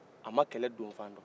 a ma kɛlɛ donfan dɔn